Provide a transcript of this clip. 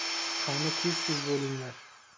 qani tez tez bo'linglar